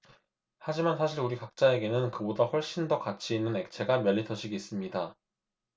하지만 사실 우리 각자에게는 그보다 훨씬 더 가치 있는 액체가 몇 리터씩 있습니다